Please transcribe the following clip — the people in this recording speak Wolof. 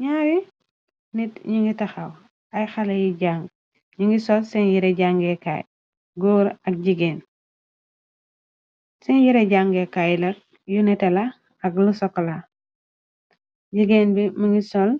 Nyaari nit ñi ngi taxaw ay xale yi jange ñi ngi sol seen yire jangeekaay gór ak jigéen seen yire jànge kaaylak yu neté la ak lu sokola jigéen bi mi ngi sol